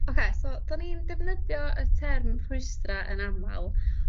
oce so 'dan ni'n defnyddio y term rhwystra' yn amal